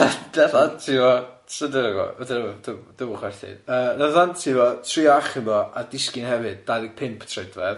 Wedyn nath anti fo, so dyna gw- dw- dw- dw'm yn chwerthin, yy nath anti fo trio achub o a disgyn hefyd, dau ddeg pump troedfedd.